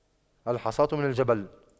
الحصاة من الجبل